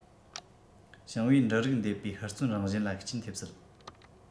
ཞིང པའི འབྲུ རིགས འདེབས པའི ཧུར བརྩོན རང བཞིན ལ ཤུགས རྐྱེན ཐེབས སྲིད